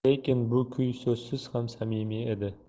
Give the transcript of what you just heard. lekin bu kuy so'zsiz ham samimiy edi